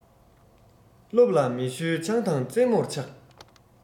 སློབ ལ མི ཞོལ ཆང དང རྩེད མོར ཆགས